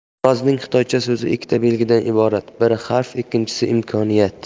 inqirozning xitoycha so'zi ikkita belgidan iborat biri xavf ikkinchisi imkoniyat